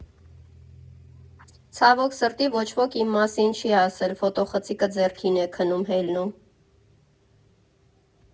Ցավոք սրտի, ոչ ոք իմ մասին չի ասել՝ «ֆոտոխցիկը ձեռքին է քնում֊հելնում»։